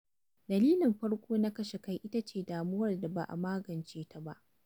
Dalilin farko na kashe kai ita ce damuwar da ba a magance ta ba.